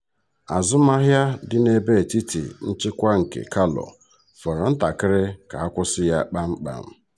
Azụmahịa dị n'ebe etiti nchịkwa nke Kalou fọrọ ntakịrị ka a kwụsị ya kpamkpam.